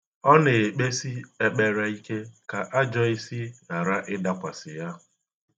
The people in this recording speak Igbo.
Ọ na-ekpesi ekpere ike ka ajọisi ghara ịdakwasị ya